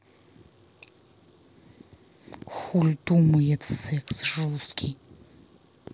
хуль думает секс жесткий